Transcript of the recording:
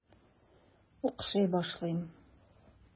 Укшый башлыйм.